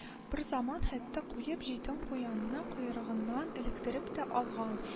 Берзаман хәтта куеп җитен куянына койрыгыннан эләктереп тә алган